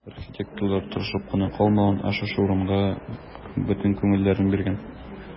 Архитекторлар тырышып кына калмаган, ә шушы урынга бөтен күңелләрен биргән.